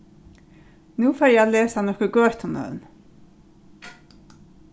nú fari eg at lesa nøkur gøtunøvn